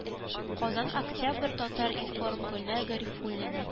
Казан октябрь татар-информ гөлнар гарифуллина